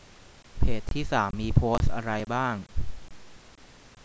เพจที่สามมีโพสต์อะไรบ้าง